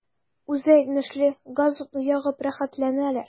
Үзе әйтмешли, газ-утны ягып “рәхәтләнәләр”.